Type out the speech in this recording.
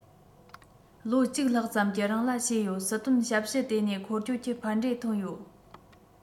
ལོ གཅིག ལྷག ཙམ གྱི རིང ལ བྱས ཡོད སྲིད དོན ཞབས ཞུ ལྟེ གནས འཁོར སྐྱོད ཀྱི ཕན འབྲས ཐོན ཡོད